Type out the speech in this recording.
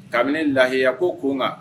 Kabini lahiya ko ko nka